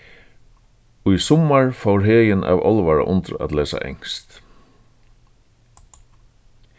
í summar fór heðin av álvara undir at lesa enskt